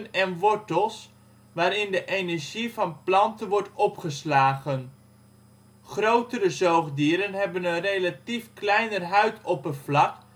en wortels, waarin de energie van planten wordt opgeslagen. Grotere zoogdieren hebben een relatief kleiner huidoppervlak